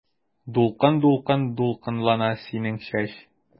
Дулкын-дулкын дулкынлана синең чәч.